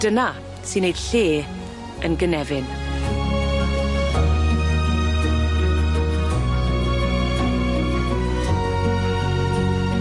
Dyna sy'n neud lle yn Gynefin. .